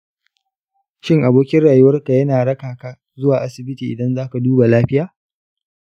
shin abokin rayuwarka yana raka ka zuwa asibiti idan za ka duba lafiya?